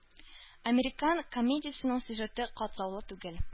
«американ» комедиясенең сюжеты катлаулы түгел.